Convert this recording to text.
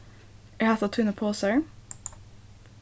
eru hatta tínir posar